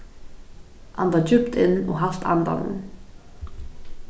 anda djúpt inn og halt andanum